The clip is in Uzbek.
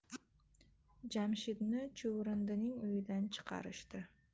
jamshidni chuvrindining uyidan chiqarishdi